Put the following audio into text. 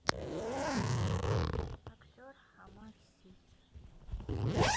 актер омар си